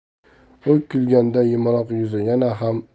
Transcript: u kulganda yumaloq yuzi yana